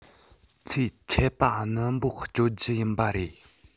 ཚེ ཆད པ ནན པོ གཅོད རྒྱུ ཡིན པ རེད